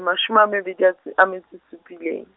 mashome a mabedi a tsi, a metso supeleng.